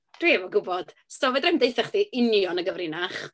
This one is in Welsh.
Dwi'm yn gwybod. So fedra i'm deutha chdi union y gyfrinach.